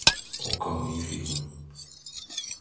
окко мои фильмы